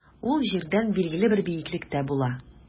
Ул җирдән билгеле бер биеклектә була.